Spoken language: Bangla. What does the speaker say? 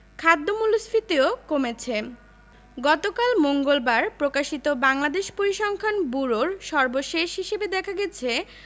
খাদ্য মূল্যস্ফীতিও কমেছে গতকাল মঙ্গলবার প্রকাশিত বাংলাদেশ পরিসংখ্যান ব্যুরোর সর্বশেষ হিসাবে দেখা গেছে